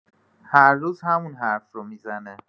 هر روز همون حرف رو می‌زنه.